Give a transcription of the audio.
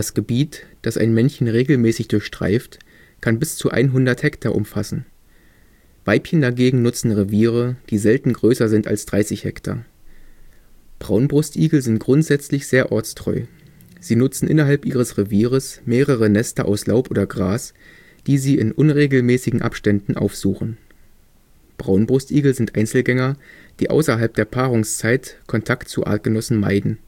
Gebiet, das ein Männchen regelmäßig durchstreift, kann bis zu 100 Hektar umfassen. Weibchen dagegen nutzen Reviere, die selten größer sind als 30 Hektar. Braunbrustigel sind grundsätzlich sehr ortstreu. Sie nutzen innerhalb ihres Revieres mehrere Nester aus Laub oder Gras, die sie in unregelmäßigen Abständen aufsuchen. Braunbrustigel sind Einzelgänger, die außerhalb der Paarungszeit Kontakt zu Artgenossen meiden